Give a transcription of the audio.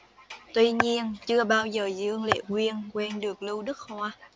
tuy nhiên chưa bao giờ dương lệ quyên quên được lưu đức hoa